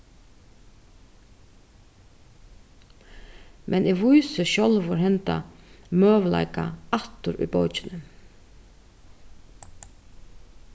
men eg vísi sjálvur henda møguleika aftur í bókini